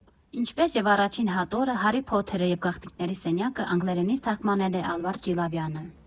Ինչպես և առաջին հատորը, «Հարի Փոթերը և Գաղտնիքների սենյակը» անգլերենից թարգմանել է Ալվարդ Ջիլավյանը։